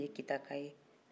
ne ye kita ka ye